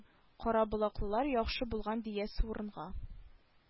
Кара болаклылар яхшы булган диясе урынга